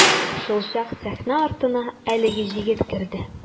Шулчак сәхнә артына әлеге җегет керде.